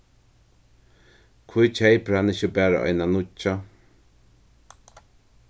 hví keypir hann ikki bara eina nýggja